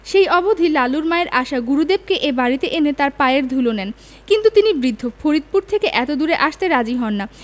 সেই অবধি লালুর মায়ের আশা গুরুদেবকে এ বাড়িতে এনে তাঁর পায়ের ধুলো নেন কিন্তু তিনি বৃদ্ধ ফরিদপুর থেকে এতদূরে আসতে রাজী হন না